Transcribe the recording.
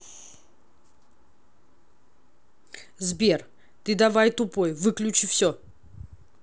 сбер ты давай тупой выключи все